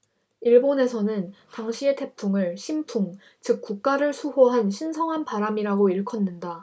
일본에서는 당시의 태풍을 신풍 즉 국가를 수호한 신성한 바람이라고 일컫는다